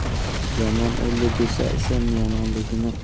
yomon o'ldi desa ishon